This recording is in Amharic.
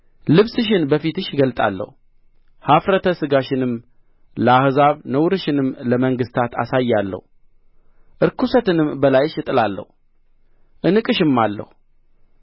ልብስሽን በፊትሽ እገልጣለሁ ኅፍረተ ሥጋሽንም ለአሕዛብ ነውርሽንም ለመንግሥታት አሳያለሁ ርኵሰትንም በላይሽ እጥላለሁ እንቅሻማለሁ